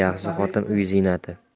yaxshi xotin uy ziynati